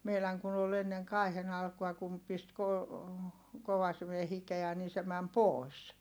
meidän kun oli ennen kaihin alkua kun pisti - kovasimen hikeä niin se meni pois